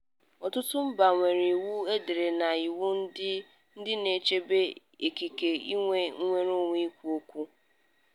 Ọtụtụ mba nwere iwu edere na iwu ndị na-echebe ikike inwe nnwereonwe ikwu okwu.